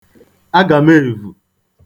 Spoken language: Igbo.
agàmeèvù